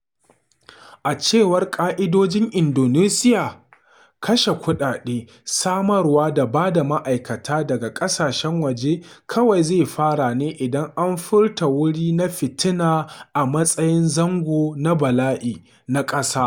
A cewar ƙa’idojin Indonesiya, kashe kuɗaɗe, samarwa da ba da ma’aikata daga ƙasashen waje kawai zai fara ne idan an furta wuri na fitina a matsayin zango na bala’i na ƙasa.